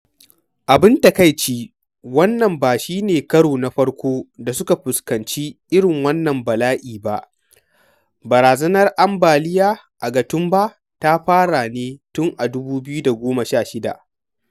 Abin takaici, wannan ba shi ne karo na farko da suka fuskanci irin wannan bala’i ba: barazanar ambaliya a Gatumba ta fara ne tun a 2016.